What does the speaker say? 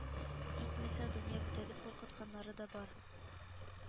Итмәсә, дөнья бетә дип куркытканнары да бар